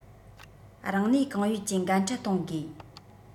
རང ནུས གང ཡོད ཀྱི འགན འཁྲི གཏོང དགོས